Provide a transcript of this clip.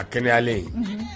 Ka kɛnɛyayalen ye